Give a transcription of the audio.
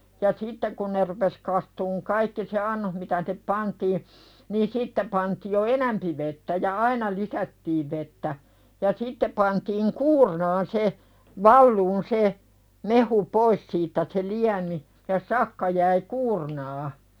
ja sitten kun ne rupesi kastumaan kaikki se annos mitä sinne pantiin niin sitten pantiin jo enempi vettä ja aina lisättiin vettä ja sitten pantiin kuurnaan se valumaan se mehu pois siitä se liemi ja sakka jäi kuurnaan